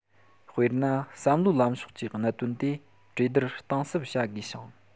དཔེར ན བསམ བློའི ལམ ཕྱོགས ཀྱི གནད དོན དེ གྲོས བསྡུར གཏིང ཟབ བྱ དགོས ཤིང